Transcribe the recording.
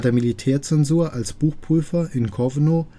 Militärzensur als Buchprüfer in Kowno